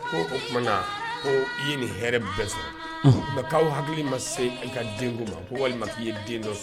O tuma k’i ye nin hɛrɛ bɛ sɔrɔ, unhun, mais k’aw hakili ma se i ka denko ma, ko walima k'i ye den dɔ sɔrɔ